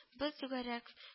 Бер түгәрәк